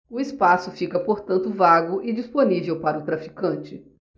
o espaço fica portanto vago e disponível para o traficante